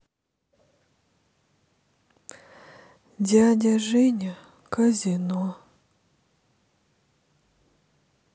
дядя женя казино